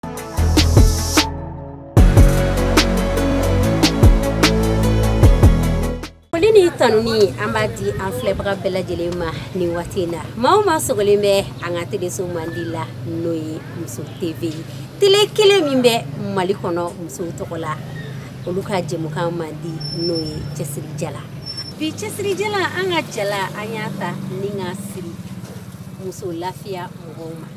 Ni tanun an b'a di an filɛbaga bɛɛ lajɛlen ma ni waati in na maaw ma sogolen bɛ an ka tɛmɛso mali la n'o ye muso t kelen min bɛ mali kɔnɔ muso tɔgɔ la olu ka jɛ mande n' ye cɛsiri bi cɛsirija an ka cɛla an y'a ta ni ka siri muso lafiya mɔgɔw ma